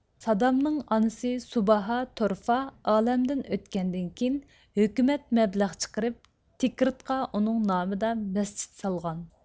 سادامنىڭ ئانىسى سۇباھا تورفاھ ئالەمدىن ئۆتكەندىن كىيىن ھۆكۈمەت مەبلەغ چىقىرىپ تىكرىتقا ئۇنىڭ نامىدا مەسچىت سالغان